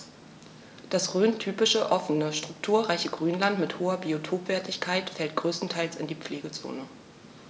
Das rhöntypische offene, strukturreiche Grünland mit hoher Biotopwertigkeit fällt größtenteils in die Pflegezone.